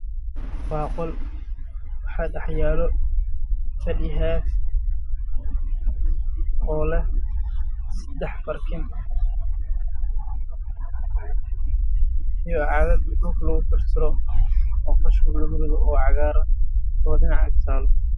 Waa qol waxaa yaalo fadhi midabkiisu yahay cadays